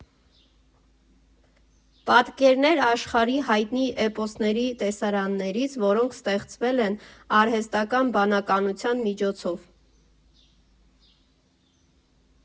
Պատկերներ աշխարհի հայտնի էպոսների տեսարաններից, որոնք ստեղծվել են արհեստական բանականության միջոցով։